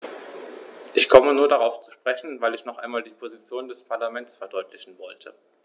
Ich komme nur darauf zu sprechen, weil ich noch einmal die Position des Parlaments verdeutlichen wollte.